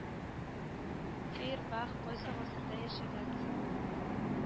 Фейербах кайсы гасырда яшәгән соң